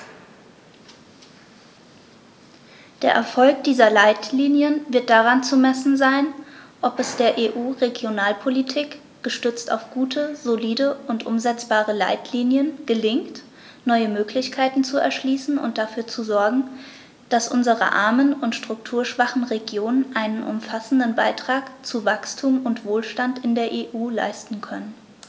Der Erfolg dieser Leitlinien wird daran zu messen sein, ob es der EU-Regionalpolitik, gestützt auf gute, solide und umsetzbare Leitlinien, gelingt, neue Möglichkeiten zu erschließen und dafür zu sorgen, dass unsere armen und strukturschwachen Regionen einen umfassenden Beitrag zu Wachstum und Wohlstand in der EU leisten können.